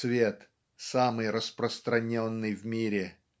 цвет - самый распространенный в мире.